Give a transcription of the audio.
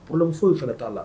Bolomuso in fana t'a la